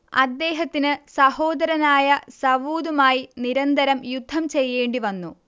അദ്ദേഹത്തിന് സഹോദരനായ സവൂദ് മായി നിരന്തരം യുദ്ധം ചെയ്യേണ്ടിവന്നു